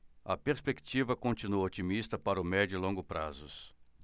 a perspectiva continua otimista para o médio e longo prazos